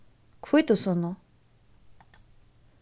hvítusunnu